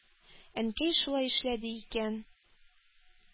Әнкәй шулай эшләде икән?